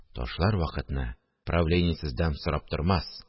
– ташлар вакытны правление сездән сорап тормас